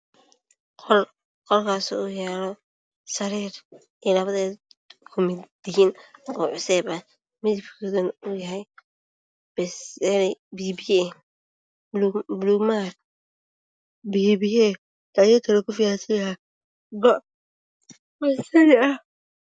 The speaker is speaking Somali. Waa qol waxaa yaalo sariir iyo labo koobadiin midabkoodu waa basali biyo biyo ah iyo buluug maar, go basali ah.